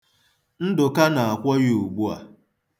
Ndụka na-akwọ ya ugbua.